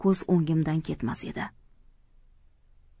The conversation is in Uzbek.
ko'z o'ngimdan ketmas edi